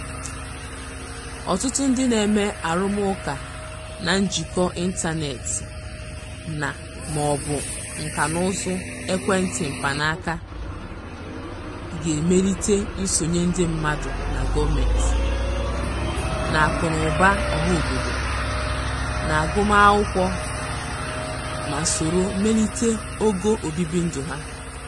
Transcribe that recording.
ọtụtụ ndị na-enwe arụmụụka na njikọ n'ịntanetị na/maọbụ nkànaụzụ ekwentị mkpanaaka ga-emelite nsonye ndị mmadụ na gọọmentị, n'akụnaụba ọhaobodo, n'agụmaakwụkwọ ma soro melite ogo obibindụ ha.